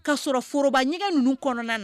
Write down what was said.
Ka sɔrɔ foroba ɲɛgɛn ninnu kɔnɔna